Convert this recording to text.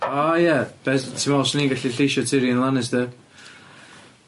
O ie be- ti'n meddwl swn i'n gallu lleisio Tirion Lannister?